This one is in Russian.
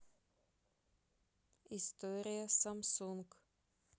история самсунг